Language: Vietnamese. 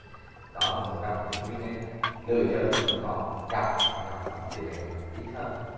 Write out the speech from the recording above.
đó là một trong những nguyên nhân nữ giới vẫn có gặp và gặp nó tỷ lệ ít hơn